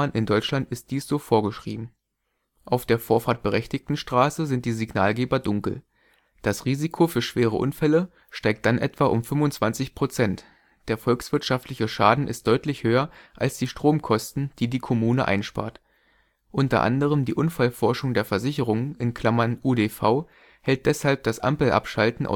in Deutschland ist dies so vorgeschrieben). Auf der vorfahrtberechtigten Straße sind die Signalgeber dunkel. Das Risiko für schwere Unfälle steigt dann um etwa 25 %; der volkswirtschaftliche Schaden ist deutlich höher als die Stromkosten, die die Kommune einspart. Unter anderem die Unfallforschung der Versicherungen (UDV) hält deshalb das Ampel-Abschalten